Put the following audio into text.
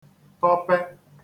tọpe